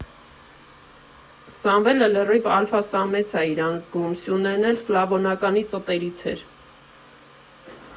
Սամվելը լրիվ ալֆա֊սամեց ա իրան զգում, Սյունեն էլ Սլավոնականի ծտերից էր.